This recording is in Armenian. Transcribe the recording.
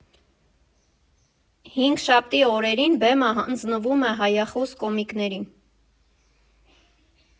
Հինգշաբթի օրերին բեմը հանձնվում է հայախոս կոմիկներին։